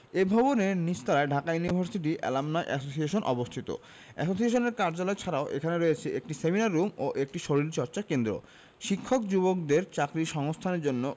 এ ভবনেরই নিচের তলায় ঢাকা ইউনিভার্সিটি এলামনাই এসোসিয়েশন অবস্থিত এসোসিয়েশনের কার্যালয় ছাড়াও এখানে রয়েছে একটি সেমিনার রুম ও একটি শরীরচর্চা কেন্দ্র শিক্ষিত যুবকদের চাকরির সংস্থানের জন্য